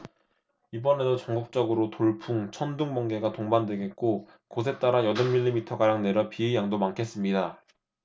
이번에도 전국적으로 돌풍 천둥 번개가 동반되겠고 곳에 따라 여든 밀리미터 가량 내려 비의 양도 많겠습니다